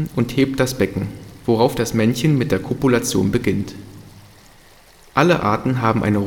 und hebt das Becken, worauf das Männchen mit der Kopulation beginnt. Alle Arten haben eine